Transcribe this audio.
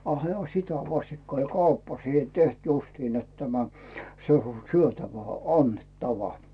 a hänellä sitä vastikka' oli kauppa siihen tehty justiin että tämä se on syötävä annettava